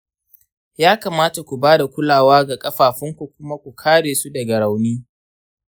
ya kamata ku ba da kulawa ga ƙafafunku kuma ku kare su daga rauni.